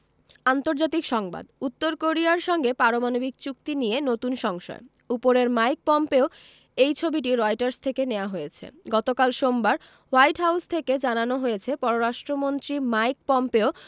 আন্তর্জাতিক সংবাদ উত্তর কোরিয়ার সঙ্গে পারমাণবিক চুক্তি নিয়ে নতুন সংশয় উপরের মাইক পম্পেও এই ছবিটি রয়টার্স থেকে নেয়া হয়েছে গতকাল সোমবার হোয়াইট হাউস থেকে জানানো হয়েছে পররাষ্ট্রমন্ত্রী মাইক পম্পেও